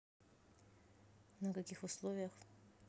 на каких условиях